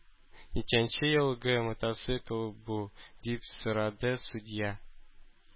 Ничәнче елгы мотоцикл бу? – дип сорады судья.